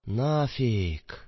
На фиг